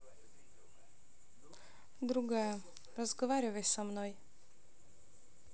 другая разговаривай со мной